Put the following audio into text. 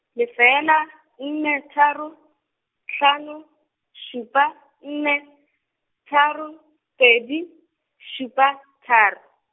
lefela, nne, tharo, hlano, šupa, nne, tharo, pedi, šupa, tharo.